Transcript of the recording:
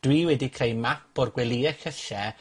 dwi wedi creu map o'r gwelye llysie,